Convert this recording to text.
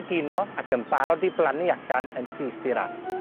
egino ac yn barod i blannu allan yn syth i'r ardd.